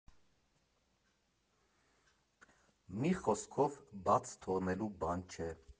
Մի խոսքով, բաց թողնելու բան չէ։